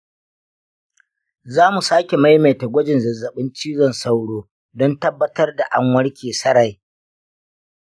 za mu sake maimaita gwajin zazzaɓin cizon sauro don tabbatar da an warke sarai.